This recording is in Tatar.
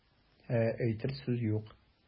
Ә әйтер сүз юк.